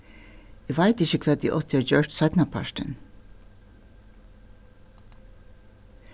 eg veit ikki hvat eg átti at gjørt seinnapartin